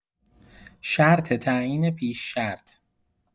شرط تعیین پیش‌شرط